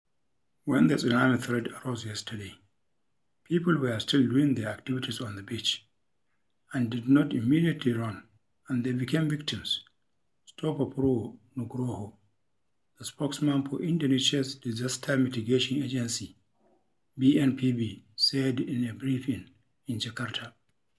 "When the tsunami threat arose yesterday, people were still doing their activities on the beach and did not immediately run and they became victims," Sutopo Purwo Nugroho, the spokesman for Indonesia's disaster mitigation agency BNPB said in a briefing in Jakarta.